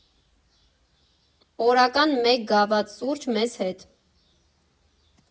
Օրական մեկ գավաթ սուրճ մեզ հետ։